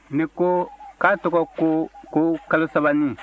ne ko k'a tɔgɔ ko ko kalosabanin